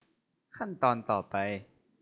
ขั้นตอนต่อไป